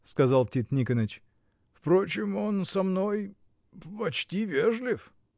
— сказал Тит Никоныч, — впрочем, он со мной. почти вежлив.